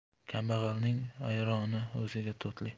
kambag'alning ayroni o'ziga totli